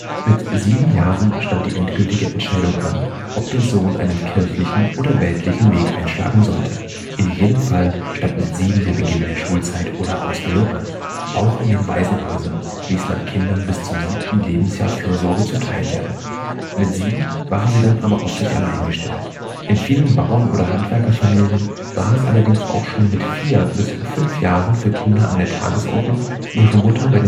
Mit sieben Jahren stand die endgültige Entscheidung an, ob der Sohn einen kirchlichen oder weltlichen Weg einschlagen sollte. In jedem Fall stand mit sieben der Beginn der Schulzeit oder Ausbildung an. Auch in den Waisenhäusern ließ man Kindern bis zum siebten Lebensjahr Fürsorge zuteilwerden. Mit sieben waren sie dann aber auf sich alleine gestellt. In vielen Bauern - oder Handwerkerfamilien war es allerdings auch schon mit vier bis fünf Jahren für Kinder an der Tagesordnung, ihre Mutter bei